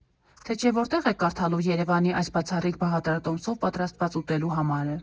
Թե չէ՝ որտե՞ղ եք կարդալու ԵՐԵՎԱՆի այս՝ բացառիկ բաղադրատոմսով պատրաստված ուտելու համարը։